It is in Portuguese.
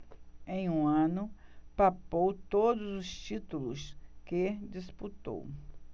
em um ano papou todos os títulos que disputou